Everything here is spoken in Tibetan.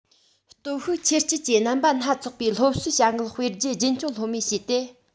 སྟོབས ཤུགས ཆེར བསྐྱེད ཀྱིས རྣམ པ སྣ ཚོགས པའི སློབ གསོའི བྱ འགུལ སྤེལ རྒྱུ རྒྱུན འཁྱོངས ལྷོད མེད བྱས ཏེ